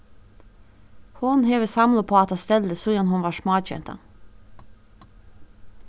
hon hevur samlað upp á hatta stellið síðan hon var smágenta